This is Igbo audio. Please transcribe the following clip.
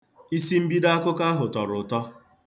Isimbido akụkọ ahụ tọrọ ụtọ.